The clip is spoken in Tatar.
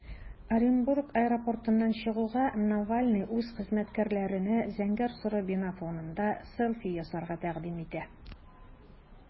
Оренбург аэропортыннан чыгуга, Навальный үз хезмәткәрләренә зәңгәр-соры бина фонында селфи ясарга тәкъдим итә.